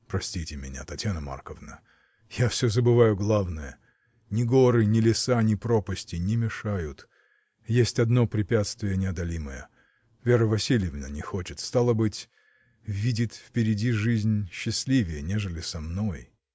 — Простите меня, Татьяна Марковна, я всё забываю главное: ни горы, ни леса, ни пропасти не мешают — есть одно препятствие неодолимое: Вера Васильевна не хочет, стало быть, — видит впереди жизнь счастливее, нежели со мной.